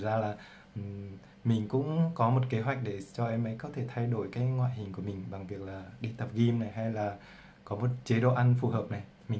mình có kế hoạch để em ấy thay đổi ngoại hình bằng việc đi tập gym và thay đổi chế độ ăn